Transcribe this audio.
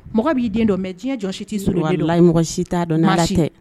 Mɔgɔ b'i den dɔn mɛ diɲɛ jɔ si tɛ so layimɔgɔ si t dɔn dɛ